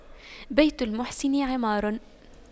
بيت المحسن عمار